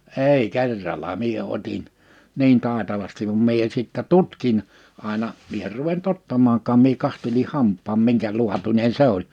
ei kerralla minä otin niin taitavasti vaan minä sitten tutkin aina minä en ruvennut ottamaankaan minä katselin hampaan minkä laatuinen se oli